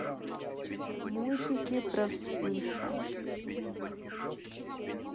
мультики про вспыша